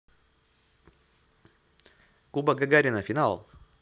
кубок гагарина финал